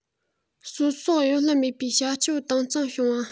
ཟོལ ཟོག གཡོ ལྷད མེད པའི བྱ སྤྱོད དྭངས གཙང བྱུང བ